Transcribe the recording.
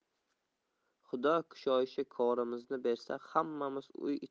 xudo kushoyishi korimizni bersa hammamiz uy